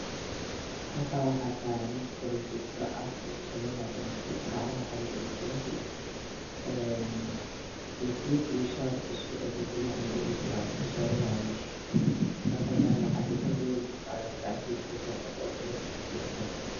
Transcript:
Halkaa waxaa saaran nin korintiiste ah wuxuu ka shaqaynaa koronto gacmaha waxaa ugu jira golofis koofiyad iyo shaar isku eg oo gaduudna way ugu jiraan wuxuu saaranyahay wiish dhanka kalana waxaa ka dambeeya nin ayuu gacantiisa ka soo muuqda.